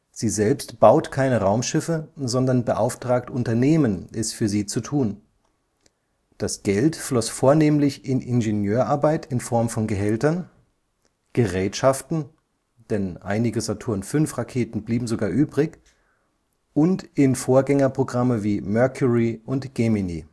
Sie selbst baut keine Raumschiffe, sondern beauftragt Unternehmen, es für sie zu tun. Das Geld floss vornehmlich in Ingenieurarbeit (Gehälter), Gerätschaften (einige Saturn-V-Raketen blieben sogar übrig) und in Vorgängerprogramme wie Mercury und Gemini